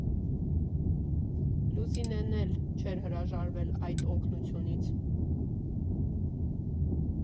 Լուսինեն էլ չէր հրաժարվել այդ օգնությունից։